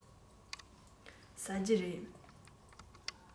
ཟ རྒྱུ རེད